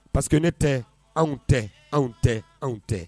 Paseke ne tɛ anw tɛ anw tɛ anw tɛ